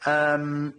Yym.